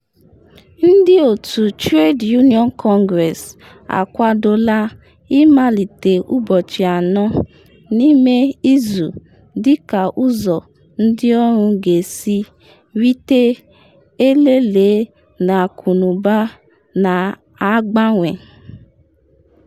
Ndị otu Trades Union Congress akwadola ịmalite ụbọchị anọ n’ime izu dịka ụzọ ndị ọrụ ga-esi rite elele na akụnụba na-agbanwe.